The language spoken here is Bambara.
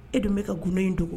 E dun bɛ ka gna in dogo